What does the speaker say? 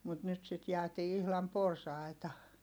mutta nyt sitten jäätiin ihan porsaitta